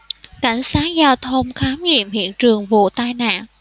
cảnh sát giao thông khám nghiệm hiện trường vụ tai nạn